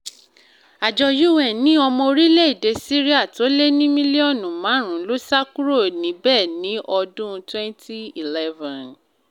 Àjọ UN ní ọmọ orílẹ̀-èdè Syria tó lé ni mílíọ́nù 5 ló sá kúrò níbẹ̀ ní ọdún 2011.